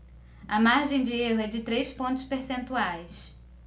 a margem de erro é de três pontos percentuais